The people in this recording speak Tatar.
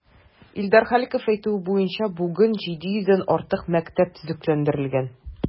Илдар Халиков әйтүенчә, бүген 700 дән артык мәктәп төзекләндерелгән.